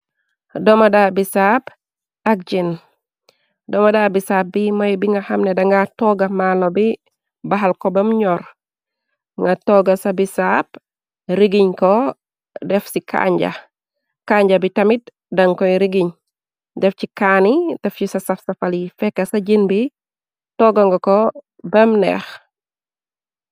Domada bi saab ak jin domadaa bi saap bi moy bi nga xamne danga tooga mano bi baxal ko bem ñoor nga tooga sa bi saap rigiñ ko def ci kanja kanja bi tamit dan koy rigiñ def ci kaani def ci sa saf-safal yi fekka sa jin bi tooganga ko bem neex.